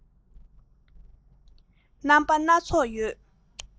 རྣམ པ སྣ ཚོགས ཡོད